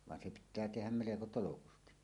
vaan se pitää tehdä melko tolkusti